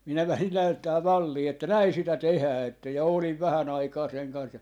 minä lähdin näyttämään mallia että näin sitä tehdään että ja olin vähän aikaa sen kanssa ja